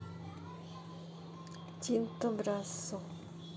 тинто брассо